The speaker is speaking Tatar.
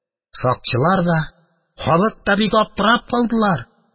Сакчылар да, халык та бик аптырап калдылар